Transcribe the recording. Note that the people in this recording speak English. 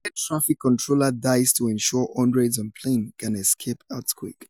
Air Traffic Controller Dies To Ensure Hundreds On Plane Can Escape Earthquake